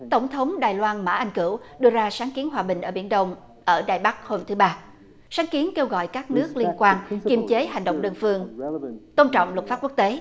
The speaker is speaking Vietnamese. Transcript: tổng thống đài loan mã anh cửu đưa ra sáng kiến hòa bình ở biển đông ở đài bắc hôm thứ ba sáng kiến kêu gọi các nước liên quan kiềm chế hành động đơn phương tôn trọng luật pháp quốc tế